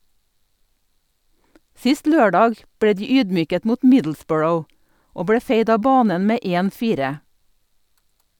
Sist lørdag ble de ydmyket mot Middlesbrough, og ble feid av banen med 1-4.